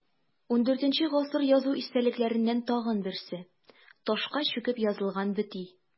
ХIV гасыр язу истәлекләреннән тагын берсе – ташка чүкеп язылган бөти.